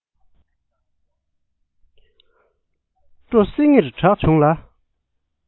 སྤྲོ སིང ངེར གྲགས བྱུང ལ